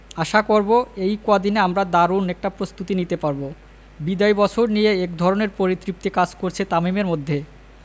আশা করব এই কদিনে আমরা দারুণ একটা প্রস্তুতি নিতে পারব বিদায়ী বছর নিয়ে একধরনের পরিতৃপ্তি কাজ করছে তামিমের মধ্যে